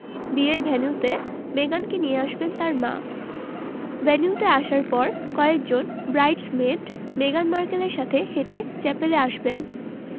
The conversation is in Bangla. বিয়ের ভেন্যুতে মেগানকে নিয়ে আসবেন তাঁর মা ভেন্যুতে আসার পর কয়েকজন ব্রাইডস মেড মেগান মার্কেলের সাথে হেঁটে চ্যাপেলে আসবেন